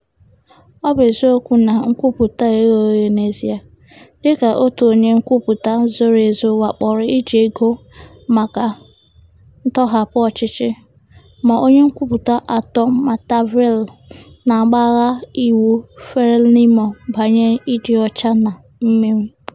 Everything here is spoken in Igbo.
Ọ bụ eziokwu na nkwupụta a ghe oghe n'ezie, dịka otu onye nkwupụta zoro ezo wakporo iji ego maka ntọhapụ ọchịchị, ma onye nkwupụta Artur Matavele na-agbagha iwu Frelimo banyere ịdị ọcha na mmiri [pt]